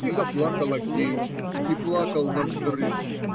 И заплакал Аггей, и плакал навзрыд.